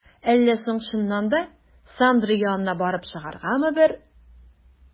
Әллә соң чыннан да, Сандра янына барып чыгаргамы бер?